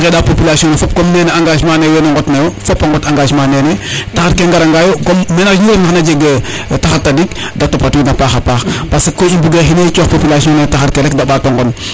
i ngeɗa population ne fop comme kene engagement ne wene ŋotnna yo fop a ŋot engagement nene taxar ke ngara nga yo comme menage nu refna xana jeg taxar tadik de topat win a paxa paxa paax parce que koy i mbuge coox population ne taxar ke rek de ɓato ŋon